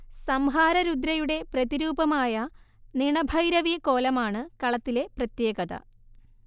സംഹാര രുദ്രയുടെ പ്രതിരൂപമായ നിണഭൈരവി കോലമാണ് കളത്തിലെ പ്രത്യേകത